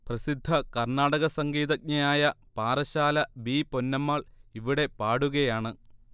പ്രസിദ്ധ കർണാടക സംഗീതജ്ഞയായ പാറശ്ശാല ബി പൊന്നമ്മാൾ ഇവിടെ പാടുകയാണ്